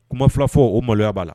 Kuma filafɔ o maloya b'a la